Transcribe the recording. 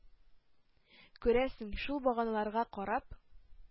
Күрәсең, шул баганаларга карап